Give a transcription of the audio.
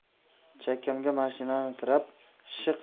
chakkamga mashinani tirab shiq